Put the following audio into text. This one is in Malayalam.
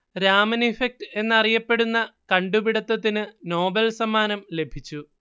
രാമൻ ഇഫക്ട് എന്നറിയപ്പെടുന്ന കണ്ടുപിടിത്തത്തിന് നോബൽ സമ്മാനം ലഭിച്ചു